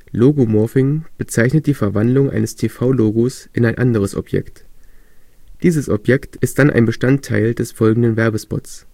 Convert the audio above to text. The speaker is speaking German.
Logomorphing bezeichnet die Verwandlung eines TV-Logos in ein anderes Objekt. Dieses Objekt ist dann ein Bestandteil des folgenden Werbespots